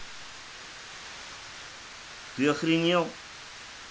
ты охренел